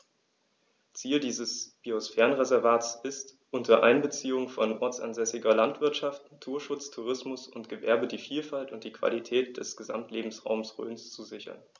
Ziel dieses Biosphärenreservates ist, unter Einbeziehung von ortsansässiger Landwirtschaft, Naturschutz, Tourismus und Gewerbe die Vielfalt und die Qualität des Gesamtlebensraumes Rhön zu sichern.